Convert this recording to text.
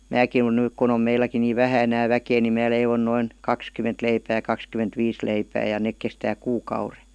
minäkin olen nyt kun on meilläkin niin vähän enää väkeä niin minä leivon noin kaksikymmentä leipää ja kaksikymmentä viisi leipää ja ne kestää kuukauden